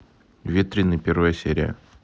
ветреный первая серия